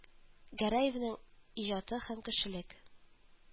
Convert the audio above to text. Гәрәевның иҗаты һәм кешелек